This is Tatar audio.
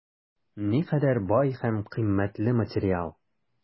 Никадәр бай һәм кыйммәтле материал!